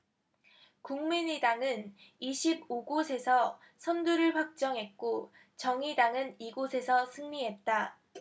국민의당은 이십 오 곳에서 선두를 확정했고 정의당은 이 곳에서 승리했다